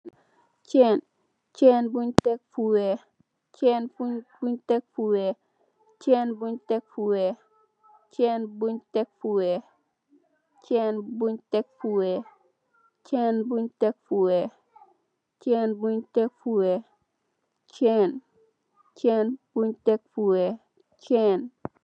Cèèn bun tek fu wèèx.